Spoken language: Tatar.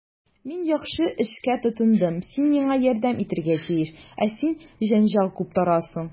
Мин яхшы эшкә тотындым, син миңа ярдәм итәргә тиеш, ә син җәнҗал куптарасың.